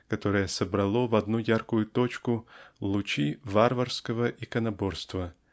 которое собрало в одну яркую точку лучи варварского иконоборства